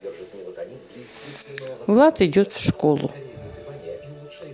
влад идет в школу